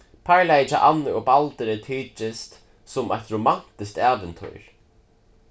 parlagið hjá annu og balduri tykist sum eitt romantiskt ævintýr